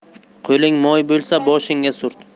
qo'ling moy bo'lsa boshingga surt